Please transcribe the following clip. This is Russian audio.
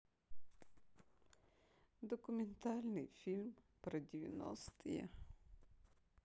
документальный фильм про девяностые